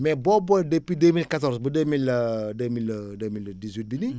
mais boo booy depuis 2014 ba deux mille deux mille deux mille dix huit bi nii